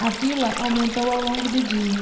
a fila aumentou ao longo do dia